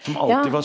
ja.